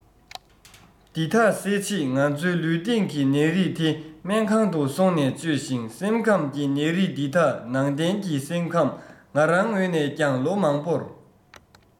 འདི དག སེལ བྱེད ང ཚོའི ལུས སྟེང གི ནད རིགས དེ སྨན ཁང དུ སོང ནས བཅོས ཤིང སེམས ཁམས ཀྱི ནད རིགས འདི དག ནང བསྟན གྱི སེམས ཁམས ང རང ངོས ནས ཀྱང ལོ མང པོར